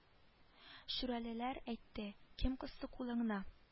Шүрәлеләр әйтте кем кысты кулыңны